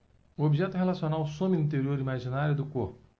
o objeto relacional some no interior imaginário do corpo